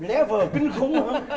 lé vờ kinh khủng hơn